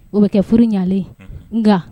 O bɛ kɛ furu ɲalen unhun nga